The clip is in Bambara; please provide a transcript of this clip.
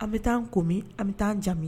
An bɛ taa komi an bɛ taa jamumi